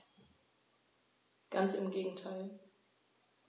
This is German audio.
Ganz im Gegenteil.